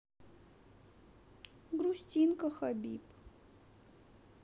грустинка хабиб